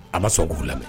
An ma sɔn k'u lamɛn